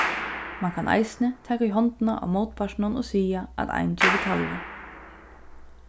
mann kann eisini taka í hondina á mótpartinum og siga at ein gevur talvið